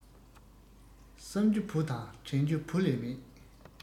བསམ རྒྱུ བུ དང དྲན རྒྱུ བུ ལས མེད